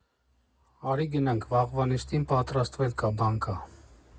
Արի, գնացինք, վաղվա նիստին պատրաստվել կա, բան կա…